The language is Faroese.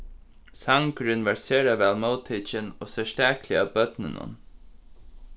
sangurin var sera væl móttikin og serstakliga av børnunum